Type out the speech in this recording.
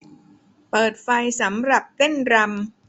เปิดไฟสำหรับเต้นรำ